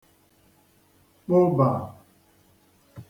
kpụbà